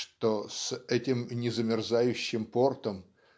что с этим незамерзающим портом